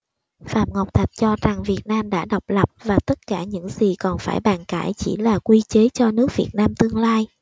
phạm ngọc thạch cho rằng việt nam đã độc lập và tất cả những gì còn phải bàn cãi chỉ là quy chế cho nước việt nam tương lai